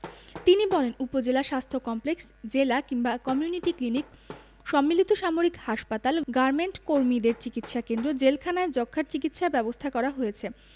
তিনি বলেন উপজেলা স্বাস্থ্য কমপ্লেক্স জেলা কিংবা কমিউনিটি ক্লিনিক সম্মিলিত সামরিক হাসপাতাল গার্মেন্টকর্মীদের চিকিৎসাকেন্দ্র জেলখানায় যক্ষ্মার চিকিৎসা ব্যবস্থা করা হয়েছে